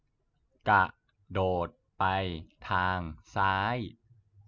กระโดดไปทางซ้าย